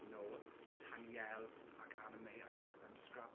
No, Tanyel ac Anna-May. I want them to scrap.